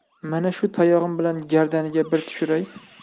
mana shu tayog'im bilan gardaniga bir tushiray